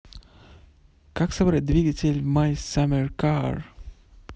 как собрать двигатель в my summer car